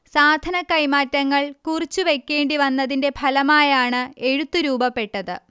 സാധനക്കൈമാറ്റങ്ങൾ കുറിച്ചുവെക്കേണ്ടിവന്നതിൻറെ ഫലമായാണ് എഴുത്ത് രൂപപ്പെട്ടത്